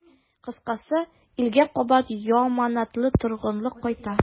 Кыскасы, илгә кабат яманатлы торгынлык кайта.